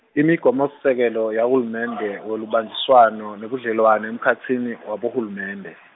Imigomosisekelo yahulumende welubanjiswano nebudlelwano emkhatsini wabohulumende.